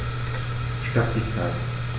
Stopp die Zeit